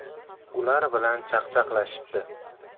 ular bilan chaqchaqlashibdi